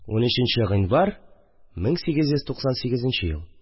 13 нче гыйнвар, 1898 ел